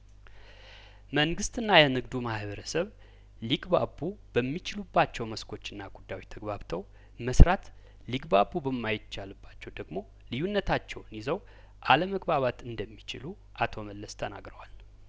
መንግስትና የንግዱ ማህበረሰብ ሊግባቡ በሚችሉባቸው መስኮችና ጉዳዮች ተግባብተው መስራት ሊግባቡ በማይቻልባቸው ደግሞ ልዩነቶቻቸውን ይዘው አለመግባባት እንደሚችሉ አቶ መለስ ተናግረዋል